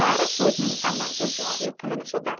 bari sozning amalga joriy qilinishidir